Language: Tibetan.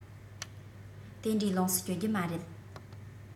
དེ འདྲའི ལོངས སུ སྤྱོད རྒྱུ མ རེད